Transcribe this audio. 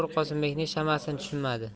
bobur qosimbekning shamasini tushunmadi